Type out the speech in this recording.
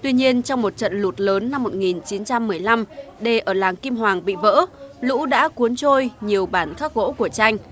tuy nhiên trong một trận lụt lớn năm một nghìn chín trăm mười lăm đê ở làng kim hoàng bị vỡ lũ đã cuốn trôi nhiều bản khắc gỗ của tranh